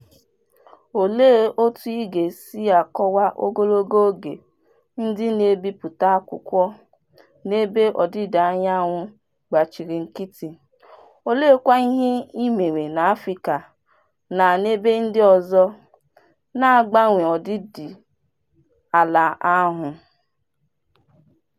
Olee otú ị ga-esi akọwa ogologo oge ndị na-ebipụta akwụkwọ n’Ebe Ọdịda Anyanwụ gbachiri nkịtị, oleekwa ihe e mere n’Africa na n’ebe ndị ọzọ na-agbanwe ọdịdị ala ahụ?